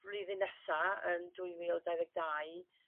flwyddyn nesa' yn dwy fil dau ddeg dau